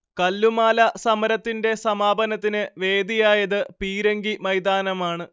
കല്ലുമാല സമരത്തിന്റെ സമാപനത്തിന് വേദിയായത് പീരങ്കി മൈതാനമാണ്